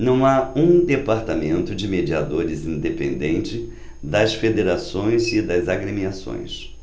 não há um departamento de mediadores independente das federações e das agremiações